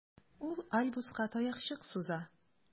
Ул Альбуска таякчык суза.